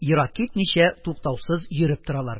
Ерак китмичә, туктаусыз йөреп торалар.